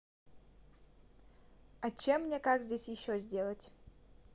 а чем мне как здесь еще сделать